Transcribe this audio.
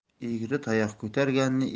egri tayoq ko'targanni